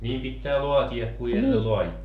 niin niin pitää laatia että kuinka ennen laadittiin